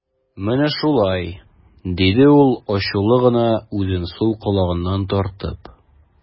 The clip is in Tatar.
Менә шулай, - диде ул ачулы гына, үзен сул колагыннан тартып.